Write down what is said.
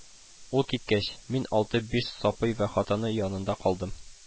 Ул киткәч, мин Алты-биш Сапый вә хатыны янында калдым